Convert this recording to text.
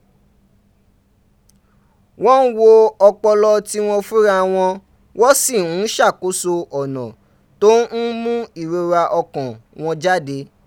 Wọ́n ń wo ọpọlọ tiwọn fúnra wọn, wọ́n sì ń ṣàkóso ọ̀nà tó ń mú ìrora ọkàn wọn jáde.